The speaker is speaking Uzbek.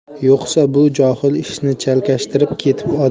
yo'qsa bu johil ishni chalkashtirib ketib